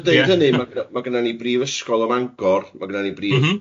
Deud hynny, ma' ma' gynna ni brifysgol ym Mangor, ma' gynna ni brif-... M-hm